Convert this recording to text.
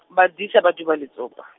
badisa ba duba letsopa.